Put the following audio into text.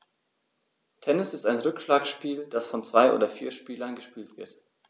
Tennis ist ein Rückschlagspiel, das von zwei oder vier Spielern gespielt wird.